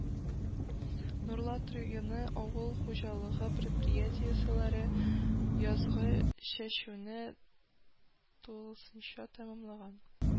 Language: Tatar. Нурлат районы авыл хуҗалыгы предприятиеләре язгы чәчүне тулысынча тәмамлаган